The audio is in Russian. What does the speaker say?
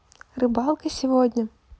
рыбалка сегодня